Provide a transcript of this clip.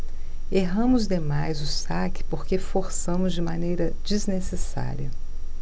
erramos demais o saque porque forçamos de maneira desnecessária